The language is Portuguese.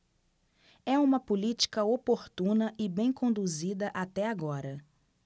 é uma política oportuna e bem conduzida até agora